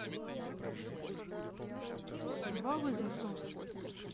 кровавый засос